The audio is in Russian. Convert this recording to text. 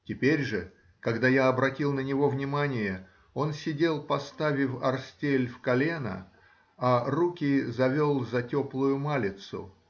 теперь же, когда я обратил на него внимание, он сидел, поставив орстель в колена, а руки завел за теплую малицу.